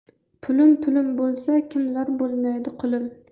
pulim pulim bo'lsa kimlar bo'lmaydi qulim